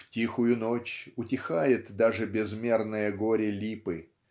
В тихую ночь утихает даже безмерное горе Липы